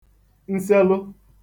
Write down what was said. nselụ